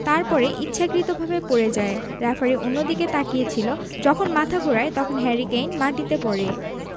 তারপরে ইচ্ছাকৃতভাবে পড়ে যায় রেফারি অন্যদিকে তাকিয়ে ছিল যখন মাথা ঘোরায় তখন হ্যারি কেইন মাটিতে পড়ে